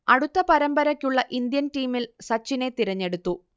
അടുത്ത പരമ്പരക്കുള്ള ഇന്ത്യൻ ടീമിൽ സച്ചിനെ തിരഞ്ഞെടുത്തു